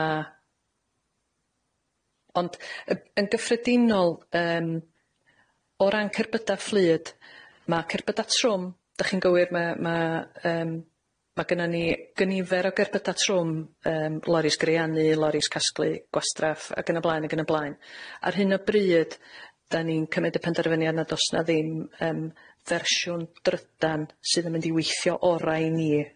A, ond yy yn gyffredinol yym o ran cerbyda' fflyd ma' cerbyda' trwm, 'dach chi'n gywir, ma' ma' yym ma' gynnon ni gynifer o gerbyda' trwm, yym lorris greanu, lorris casglu gwastraff ag yn y blaen ag yn y blaen ar hyn o bryd 'dan ni'n cymryd y penderfyniad nad o's 'na ddim yym fersiwn drydan sydd yn mynd i weithio ora' i ni,